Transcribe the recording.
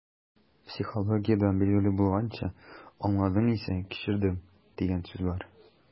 Психологиядән билгеле булганча, «аңладың исә - кичердең» дигән сүз бар.